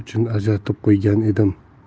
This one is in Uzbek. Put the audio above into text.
uchun ajratib qo'ygan edim